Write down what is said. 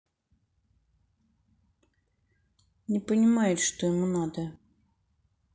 не понимает что ему надо